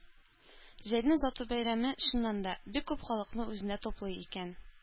Җәйне озату бәйрәме, чыннан да, бик күп халыкны үзенә туплый икән.